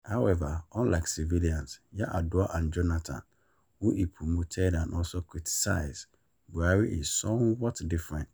However, unlike civilians – Yar’Adua and Jonathan – who he promoted and also criticized, Buhari is somewhat different.